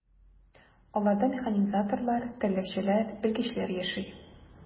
Аларда механизаторлар, терлекчеләр, белгечләр яши.